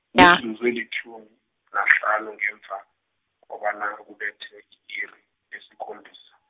mizuzu elitjhumi, nahlanu ngemva, kobana kubethe, i-iri lesikhombisa.